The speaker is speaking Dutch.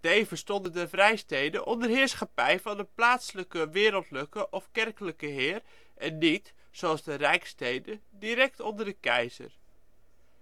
Tevens stonden de vrijsteden onder heerschappij van een plaatselijke wereldlijke of kerkelijke heer en niet - zoals de Rijkssteden - direct onder de keizer.